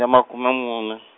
ya makhume mune.